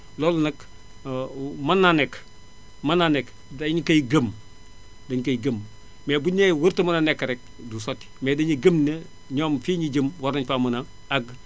loolu nag mën naa nekk mën naa nekk dañu koy gëm dañu koy gëm mais buñu nee warut a mën a nekk rekk du sotti mais dañuy gëm ne ñoom fii ñu jëm war nañu faa mën a àgg